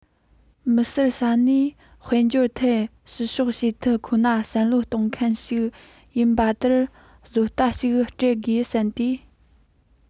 མི སེར ས ནས དཔལ འབྱོར ཐད བཤུ གཞོག བྱེད ཐབས ཁོ ན བསམ བློ གཏོང མཁན ཞིག ཡོད པ དེར བཟོ ལྟ ཞིག སྤྲད དགོས བསམས ཏེ